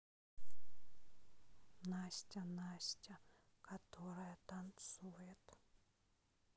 настя настя которая танцует